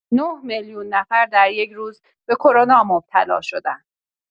۹ میلیون نفر در یک روز به کرونا مبتلا شدند.